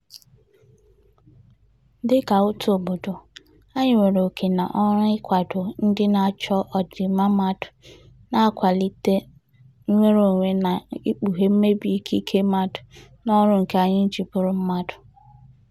Dịka otu obodo, anyị nwere oké na ọrụ ịkwado ndị na-achọ ọdịmma mmadụ na-akwalite nnwereonwe na ikpughe mmebi ikike mmadụ n'ọrụ nke anyị ji bụrụ mmadụ.